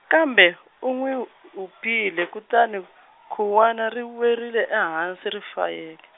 kambe, u n'wi hupile kutani, khuwani ri werile ehansi ri fayeka.